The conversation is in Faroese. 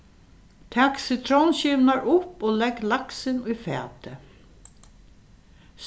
tak sitrónskivurnar upp og legg laksin í fatið